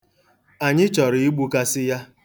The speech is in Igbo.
Anyị chọrọ igbukasị ya.